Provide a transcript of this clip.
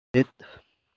རེད